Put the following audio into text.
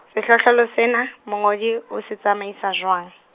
sehlohlolo sena, mongodi , o se tsamaisa jwang?